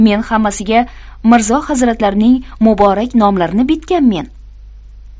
men hammasiga mirzo hazratlarining muborak nomlarini bitganmen